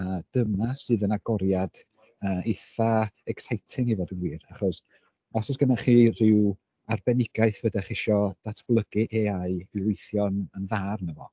A dyma sydd yn agoriad yy eitha exciting i fod yn wir, achos os oes gennych chi ryw arbenigaeth fyddech eisiau datblygu AI i weithio yn yn dda arno fo.